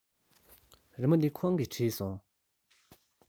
རི མོ འདི ཁོང གིས བྲིས སོང